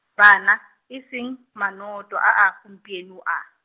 banna, e seng, manoto a a, gompieno a.